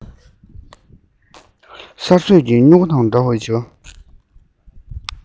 གསར གསོས ཀྱི མྱུ གུ དང འདྲ བའི བྱིས པ